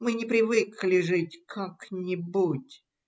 Мы не привыкли жить как-нибудь.